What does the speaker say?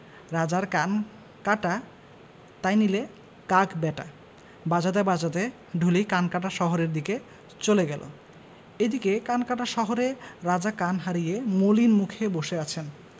রাজার কান কাটা তাই নিলে কাক ব্যাটা বাজাতে বাজাতে ঢুলি কানকাটা শহরের দিকে চলে গেল এদিকে কানকাটা শহরে রাজা কান হারিয়ে মলিন মুখে বসে আছেন